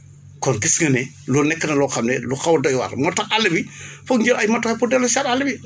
kon gis nga ne loolu nekk na loo xam ne lu xaw a doy waar moo tax àll bi foog ñu jël ay matuwaay pour delloosiwaat àll bi